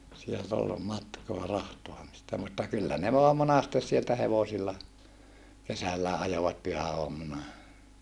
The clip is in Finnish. sieltä oli matkaa rahtaamista mutta kyllä ne vain monasti sieltä hevosilla kesälläkin ajoivat pyhäaamuna